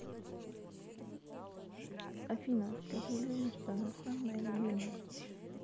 афина скажи лене что она самая любимая